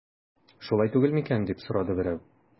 Шулай түгел микән дип сорады берәү.